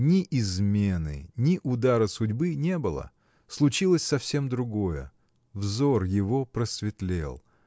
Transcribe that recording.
Ни измены, ни удара судьбы не было: случилось совсем другое. Взор его просветлел.